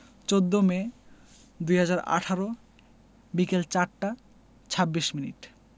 ১৪মে ২০১৮ বিকেল ৪টা ২৬ মিনিট